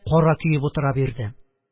Кара көеп утыра бирде